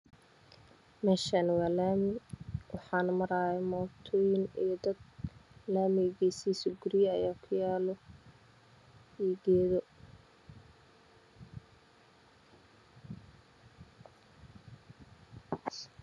Meshaan waa laami waxana marayah mootoyin iyo dad lamiga geesihisa guryo ayaa ku yaalah iyo geedoh